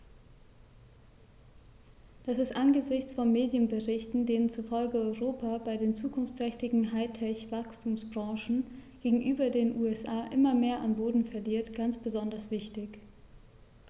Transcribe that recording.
Das ist angesichts von Medienberichten, denen zufolge Europa bei den zukunftsträchtigen High-Tech-Wachstumsbranchen gegenüber den USA immer mehr an Boden verliert, ganz besonders wichtig.